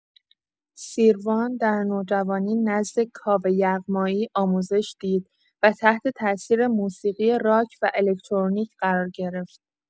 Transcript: سیروان در نوجوانی نزد کاوه یغمایی آموزش دید و تحت‌تاثیر موسیقی راک و الکترونیک قرار گرفت.